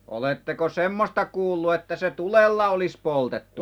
oletteko semmoista kuullut että se tulella olisi poltettu